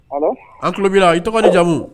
An tuloin i tɔgɔ di jamumu